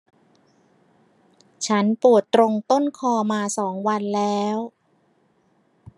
ฉันปวดตรงต้นคอมาสองวันแล้ว